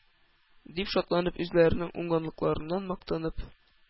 Дип шатланып, үзләренең уңганлыкларыннан мактанып,